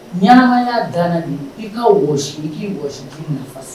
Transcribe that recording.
Ɲɛnamaya danna de i ka wɔsi i k'i wɔsi nafa